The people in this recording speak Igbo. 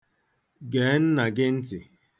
Gee nna gị ntị.